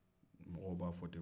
mɔgɔw b'a fɔ ten